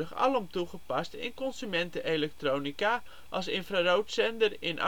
alom toegepast in consumentenelektronica als infraroodzender in